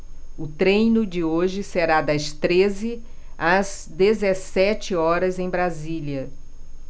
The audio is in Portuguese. o treino de hoje será das treze às dezessete horas em brasília